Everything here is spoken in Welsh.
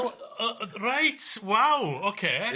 Wel yy reit waw ocê.